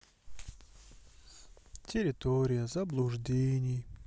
территория заблуждений